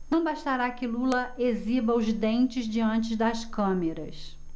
não bastará que lula exiba os dentes diante das câmeras